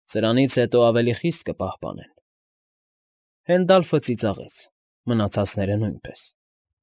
Սրանից հետո ավելի խիստ կպահպանեն։ Հենդալֆը ծիծաղեց, մնացածը՝ նույնպես։